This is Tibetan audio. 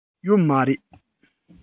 ཡོད མ རེད